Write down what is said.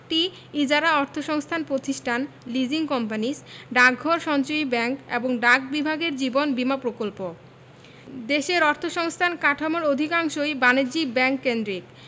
টি ইজারা অর্থসংস্থান প্রতিষ্ঠান লিজিং কোম্পানিস ডাকঘর সঞ্চয়ী ব্যাংক এবং ডাক বিভাগের জীবন বীমা প্রকল্প দেশের অর্থসংস্থান কাঠামোর অধিকাংশই বাণিজ্যিক ব্যাংক কেন্দ্রিক